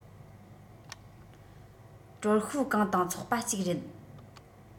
ཀྲོར ཤུའུ ཀང དང ཚོགས པ གཅིག རེད